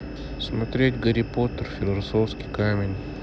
смотреть гарри поттер философский камень